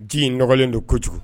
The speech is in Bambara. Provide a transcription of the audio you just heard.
Ji in nɔgɔlen don kojugu